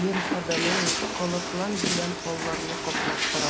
миһербаның калканы белән аларны каплап торасың.